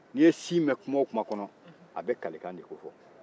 n'i ye si mɛn kuma o kuma kɔnɔ a bɛ kalikan de kofɔ